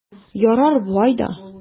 Ярар болай да!